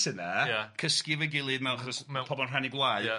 ...cysgu efo'i gilydd ma' achos ma' pobol yn rhannu gwlâu... Ia